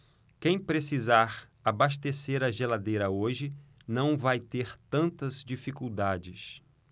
quem precisar abastecer a geladeira hoje não vai ter tantas dificuldades